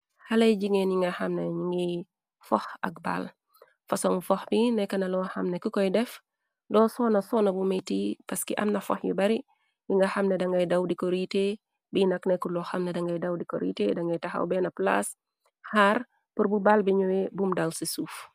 Xalay jingeen yi nga xamna ngiy fox ak bàll fasong fox bi nekk na loo xam nekki koy def doo soona soona bu miti paski am na fox yu bari yi nga xam ne dangay dawdi ko riite bi nak nekk loo xam na dangay dawdi ko riite dangay taxaw benn plaaz xaar për bu bàl bi ñuy bum dàl ci suuf.